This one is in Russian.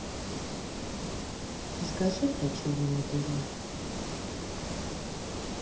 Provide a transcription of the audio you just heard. расскажи про черную дыру